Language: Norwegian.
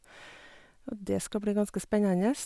Og det skal bli ganske spennende.